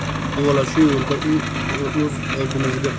biz avvalo shu yo'lda o'z oldimizga qo'ygan